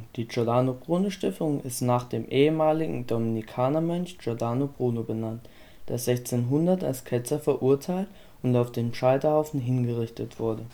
Die Giordano-Bruno-Stiftung ist nach dem ehemaligen Dominikanermönch Giordano Bruno benannt, der 1600 als Ketzer verurteilt und auf dem Scheiterhaufen hingerichtet wurde